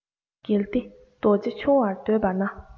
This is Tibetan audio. གལ ཏེ རྡོ རྗེ ཆུང བར འདོད པ ན